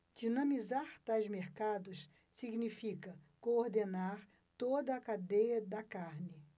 dinamizar tais mercados significa coordenar toda a cadeia da carne